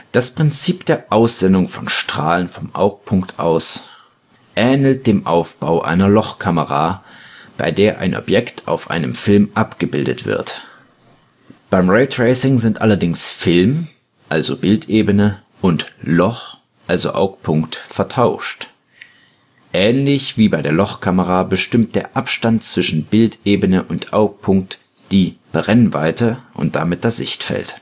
Das Prinzip der Aussendung der Strahlen vom Augpunkt aus ähnelt dem Aufbau einer Lochkamera, bei der ein Objekt auf einem Film abgebildet wird. Beim Raytracing sind allerdings „ Film “(Bildebene) und „ Loch “(Augpunkt) vertauscht. Ähnlich wie bei der Lochkamera bestimmt der Abstand zwischen Bildebene und Augpunkt die „ Brennweite “und damit das Sichtfeld